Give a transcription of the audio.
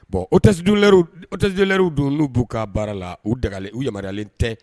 Bon o tɛsi tɛzjeyriw don n'u b'u ka baara la u dagali u yamaruyalen tɛ